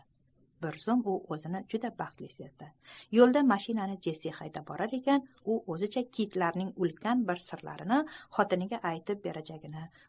bir zum u o'zini juda baxtli sezdi yo'lda mashinani jessi haydab borar ekan u o'zicha kitlarning ulkan bir sirini xotiniga aytib berishini